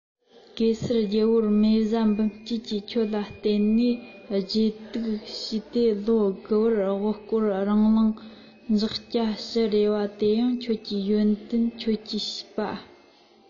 གེ སར རྒྱལ པོར མེ བཟའ འབུམ སྐྱིད ཀྱིས ཁྱོད ལ བརྟེན ནས བརྗེད དུག ཞུས ཏེ ལོ དགུ བར དབུ བསྐོར རིང གླིང འཇག སྐྱ ཕྱུ རེ བ དེ ཡང ཁྱོད ཀྱི ཡོན ཏན ཁྱོད ཀྱི བྱས པ